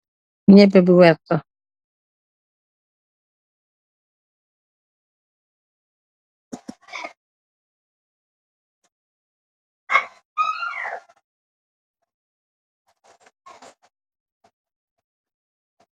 Nyeebe bu werta